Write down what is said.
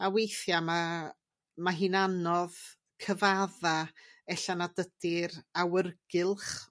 A weithia' 'ma ma' hi'n anodd cyfadda ella nad ydi'r awyrgylch